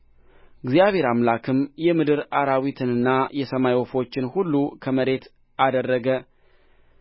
እግዚአብሔር አምላክም የምድር አራዊትንና የሰማይ ወፎችን ሁሉ ከመሬት አደረገ